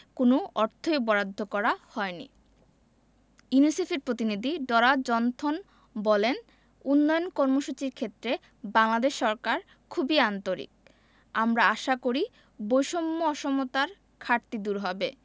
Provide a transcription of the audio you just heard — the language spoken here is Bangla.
ওয়াশ প্রকল্পে কোনো অর্থই বরাদ্দ করা হয়নি ইউনিসেফের প্রতিনিধি ডরা জনথন বলেন উন্নয়ন কর্মসূচির ক্ষেত্রে বাংলাদেশ সরকার খুবই আন্তরিক আমরা আশা করি বৈষম্য অসমতার